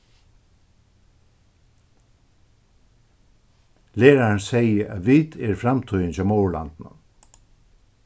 lærarin segði at vit eru framtíðin hjá móðurlandinum